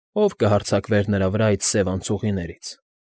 Ո՞վ կհարձակվեր նրա վրա այդ սև անցուղիներից։